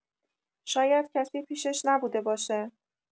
شاید کسی پیشش نبوده باشه